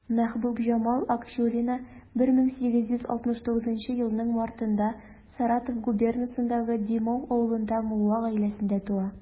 Мәхбүбҗамал Акчурина 1869 елның мартында Саратов губернасындагы Димау авылында мулла гаиләсендә туа.